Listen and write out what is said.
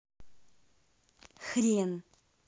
хрен